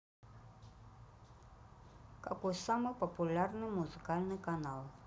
какой самый популярный музыкальный канал